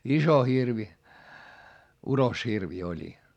iso hirvi uroshirvi oli